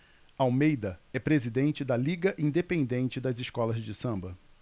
almeida é presidente da liga independente das escolas de samba